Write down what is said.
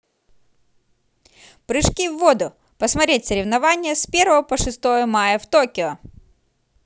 прыжки в воду посмотреть соревнования с первого по шестое мая в токио